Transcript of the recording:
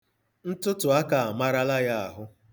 Ntụtụaka amarala ya ahụ